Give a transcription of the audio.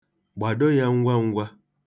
Gbado ya ngwa ngwa.